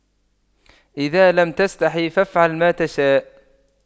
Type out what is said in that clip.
اذا لم تستحي فأفعل ما تشاء